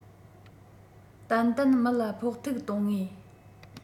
ཏན ཏན མི ལ ཕོག ཐུག གཏོང ངེས